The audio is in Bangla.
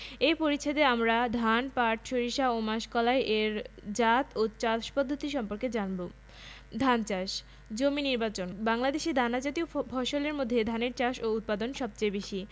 রাসায়নিকভাবে বিশ্লেষণ করা হলে সব সময় দুই ভাগ হাইড্রোজেন এবং এক ভাগ অক্সিজেন পাওয়া যাবে অর্থাৎ পানিতে হাইড্রোজেন ও অক্সিজেনের পরমাণুর সংখ্যার অনুপাত হচ্ছে ২ অনুপাত ১